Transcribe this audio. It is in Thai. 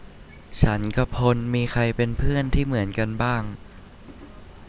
ฉันกับพลมีใครเป็นเพื่อนที่เหมือนกันบ้าง